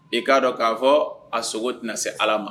I ka dɔn ka fɔ a sogo te na se Ala ma.